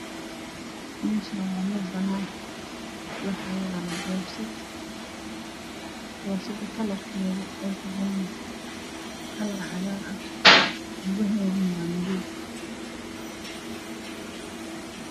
Messhaan waa meel banaan waxaa yalo boorso kalar keedu yahay kalar cagaar ah lugeheedu waa madoow